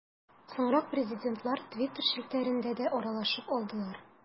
Соңрак президентлар Twitter челтәрендә дә аралашып алдылар.